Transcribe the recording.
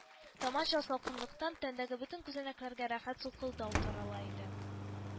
Таманча салкынлыктан тәндәге бөтен күзәнәкләргә рәхәт сулкылдау тарала иде